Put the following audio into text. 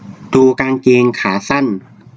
ดูกางเกงขาสั้น